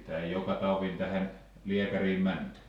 sitä ei joka taudin tähden lääkäriin menty